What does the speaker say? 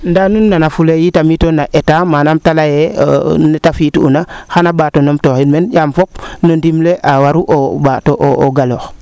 ndaa nu nana fufe yitam no Etat manaam te leyee nete fi'it uuna xana mbaato num tooxid meen yaam fop no ndimle a waru waro mbaato o galoox